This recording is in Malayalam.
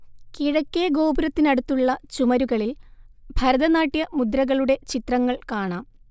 കിഴക്കേ ഗോപുരത്തിനടുത്തുള്ള ചുമരുകളിൽ ഭരതനാട്യ മുദ്രകളുടെ ചിത്രങ്ങൾ കാണാം